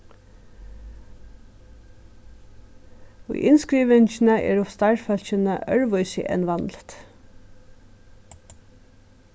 í innskrivingini eru starvsfólkini øðrvísi enn vanligt